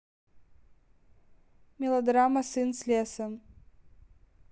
мелодрама сын с леса